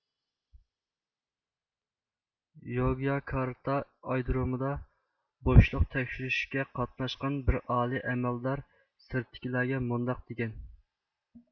يوگياكارتا ئايرودرومىدا بوشلۇق تەكشۈرۈشكە قاتناشقان بىر ئالىي ئەمەلدار سىرتتىكىلەرگە مۇنداق دېگەن